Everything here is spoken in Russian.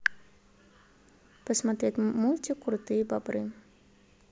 посмотреть мультик крутые бобры